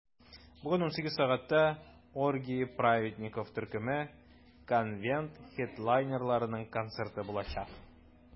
Бүген 18 сәгатьтә "Оргии праведников" төркеме - конвент хедлайнерларының концерты булачак.